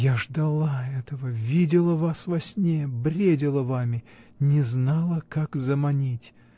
— Я ждала этого, видела вас во сне, бредила вами, не знала, как заманить.